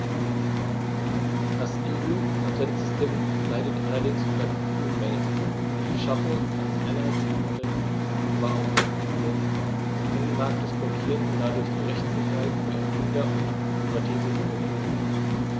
Das EU-Patentsystem leidet allerdings unter vielen Mängeln, die die Schaffung eines einheitlichen Patentschutzes, aber auch die Entwicklung des Binnenmarktes blockieren und dadurch die Rechtssicherheit für Erfinder und innovative Unternehmen mindern.